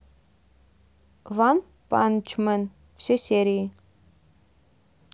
ванпанчмен все серии